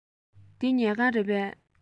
འདི ཉལ ཁང རེད པས